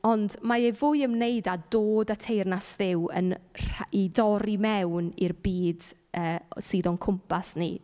Ond mae e fwy ymwneud â dod â teyrnas Dduw yn rha- i dorri mewn i'r byd yy sydd o'n cwmpas ni.